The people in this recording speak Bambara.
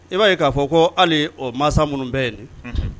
I ba ye ka fɔ ko hali o masa munun bɛ yen Unhun